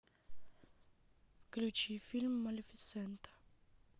включи фильм малефисента